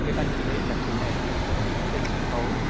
người ta nhìn thấy lãnh tụ này đi khập khiễng trên sân khấu